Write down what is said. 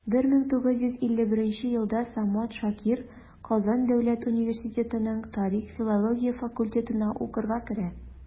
1951 елда самат шакир казан дәүләт университетының тарих-филология факультетына укырга керә.